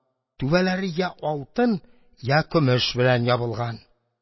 Түбәләре йә алтын, йә көмеш белән ябылган.